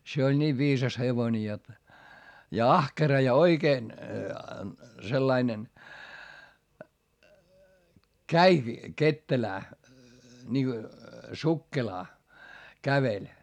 se oli niin viisas hevonen jotta ja ahkera ja oikein sellainen kävikin ketterään niin kuin sukkelaan käveli